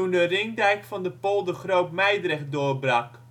de ringdijk van de polder Groot-Mijdrecht doorbrak